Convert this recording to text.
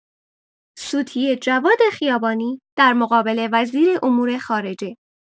سوتی جواد خیابانی در مقابل وزیر امور خارجه